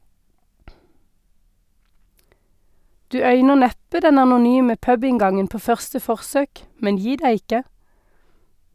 Du øyner neppe den anonyme pubinngangen på første forsøk, men gi deg ikke.